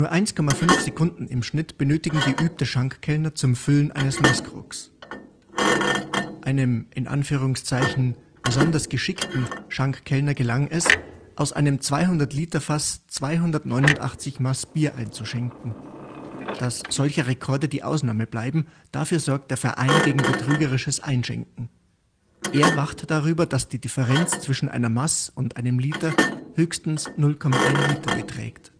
1,5 Sekunden im Schnitt benötigen geübte Schankkellner zum Füllen eines Maßkrugs. Einem „ besonders geschickten “Schankkellner gelang es, aus einem 200-Liter-Fass 289 Maß Bier einzuschenken. Dass solche Rekorde die Ausnahme bleiben, dafür sorgt der Verein gegen betrügerisches Einschenken. Er wacht darüber, dass die Differenz zwischen einer Maß und einem Liter höchstens 0,1 Liter beträgt